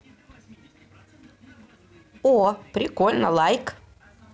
о прикольно лайк